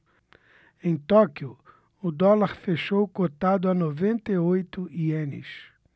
em tóquio o dólar fechou cotado a noventa e oito ienes